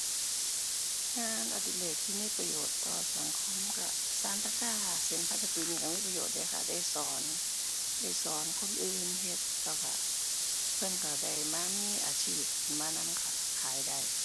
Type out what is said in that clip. งานอดิเรกที่มีประโยชน์ต่อสังคมก็สานตะกร้าเส้นพลาสติกนี่ก็มีประโยชน์เดะค่ะ ได้สอน ได้สอนคนอื่นเฮ็ด แล้วก็ เพิ่นก็ได้มามีอาชีพมานำค่ะ ขายได้